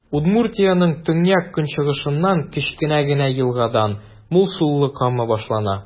Удмуртиянең төньяк-көнчыгышыннан, кечкенә генә елгадан, мул сулы Кама башлана.